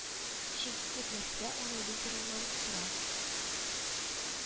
Чөнки күп нәрсә аның лидерыннан тора